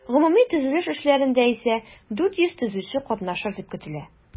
Гомуми төзелеш эшләрендә исә 400 төзүче катнашыр дип көтелә.